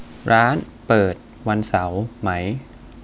ร้านเปิดวันเสาร์ไหม